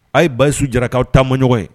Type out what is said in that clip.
A' ye basi su jarakaw taama ma ɲɔgɔn ye